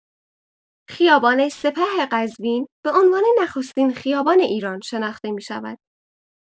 خیابان سپه قزوین به عنوان نخستین خیابان ایران شناخته می‌شود.